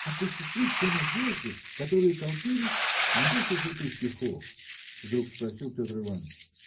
– Осуществить те надежды, которые толпились. – Не пишешь ли ты стихов? – вдруг спросил Петр Иваныч.